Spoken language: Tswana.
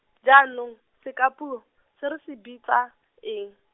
jaanong, sekapuo, se re se bitsa, eng?